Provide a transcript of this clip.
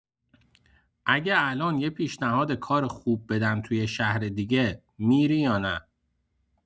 اگه الان یه پیشنهاد کار خوب بدن تو یه شهر دیگه، می‌ری یا نه؟